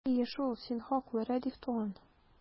Әйе шул, син хаклы, Рәдиф туган!